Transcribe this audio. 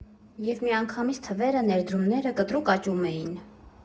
Եվ միանգամից թվերը, ներդրումները կտրուկ աճում էին։